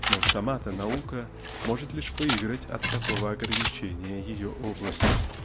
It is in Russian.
но сама-то наука может лишь выиграть от такого ограничения ее области.